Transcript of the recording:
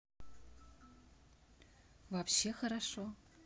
вообще хорошо